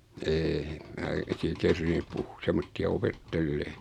en minä siinä kerinnyt - semmoisia opettelemaan